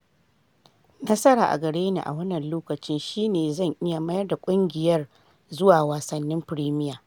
"Nasara a gare ni a wannan lokacin shi ne 'zan iya mayar da kungiyar zuwa Wasanin Fremiya?'